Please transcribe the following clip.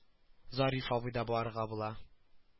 Зариф абый да барырга була